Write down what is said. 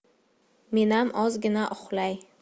menam ozgina uxlay